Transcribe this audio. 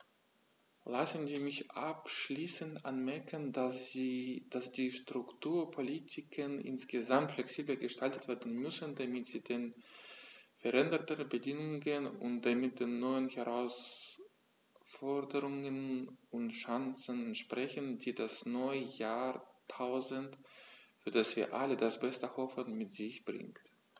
Lassen Sie mich abschließend anmerken, dass die Strukturpolitiken insgesamt flexibler gestaltet werden müssen, damit sie den veränderten Bedingungen und damit den neuen Herausforderungen und Chancen entsprechen, die das neue Jahrtausend, für das wir alle das Beste hoffen, mit sich bringt.